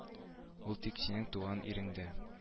Ул тик синең туган иреңдә